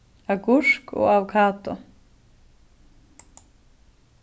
agurk og avokado